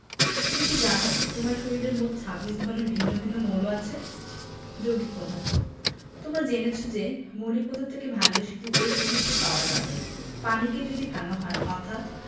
তুমি কি জানো তোমার শরীরে মোট ২৬ ধরনের ভিন্ন ভিন্ন মৌল আছে যৌগিক পদার্থ তোমরা জেনেছ যে মৌলিক পদার্থকে ভাঙলে শুধু ঐ পদার্থই পাওয়া যাবে পানিকে যদি ভাঙা হয় অর্থাৎ